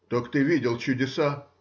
так ты видел чудеса?